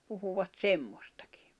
puhuivat semmoistakin